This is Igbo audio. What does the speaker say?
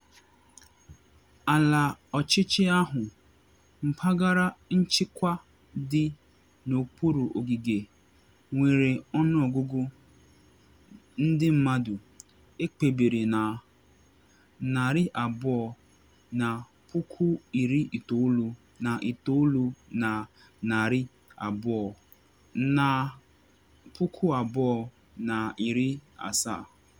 Ala ọchịchị ahụ, mpaghara nchịkwa dị n’okpuru ogige, nwere ọnụọgụgụ ndị mmadụ ekpebiri na 299,200 na 2017.